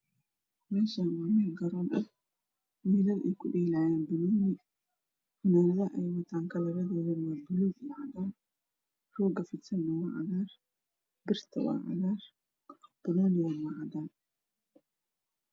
Meeshan waa meel garoon ah wilal ay ku dhelayaan banooni funaanadaha ay wataan kalaradooda wabulug iyo cadaan rooga fidsana waa cagaar birtana waa cagaar banoonigana waa cadaan